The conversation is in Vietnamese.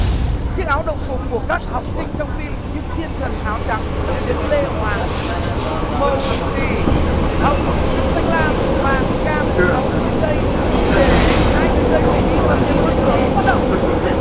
chiếc áo đồng phục của các học sinh trong phim những thiên thần áo trắng của đạo diễn lê hoàng màu gì hồng xanh lam vàng trắng sáu mươi giây để hai người chơi suy nghĩ và đặt tiền vào các ô cửa bắt đầu